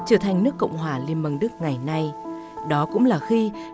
trở thành nước cộng hòa liên bang đức ngày nay đó cũng là khi